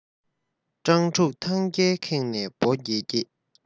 སྤྲང ཕྲུག ཐང རྒྱལ ཁེངས ནས སྦོ འགྱེད འགྱེད